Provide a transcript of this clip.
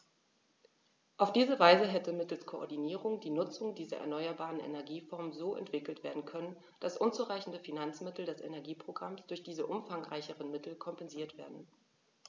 Auf diese Weise hätte mittels Koordinierung die Nutzung dieser erneuerbaren Energieformen so entwickelt werden können, dass unzureichende Finanzmittel des Energieprogramms durch diese umfangreicheren Mittel kompensiert werden.